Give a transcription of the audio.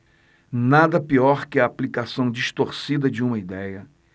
nada pior que a aplicação distorcida de uma idéia